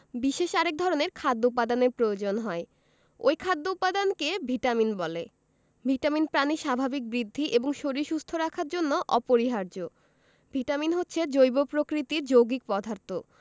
বিশেষ আরেক ধরনের খাদ্য উপাদানের প্রয়োজন হয় ঐ খাদ্য উপাদানকে ভিটামিন বলে ভিটামিন প্রাণীর স্বাভাবিক বৃদ্ধি এবং শরীর সুস্থ রাখার জন্য অপরিহার্য ভিটামিন হচ্ছে জৈব প্রকৃতির যৌগিক পদার্থ